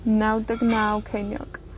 Naw deg maw ceiniog.